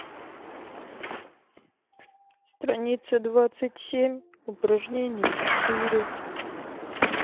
страница двадцать семь упражнение четыре